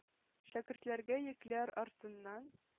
Шәкертләргә йөкләр артыннан